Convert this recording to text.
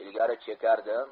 ilgari chekardim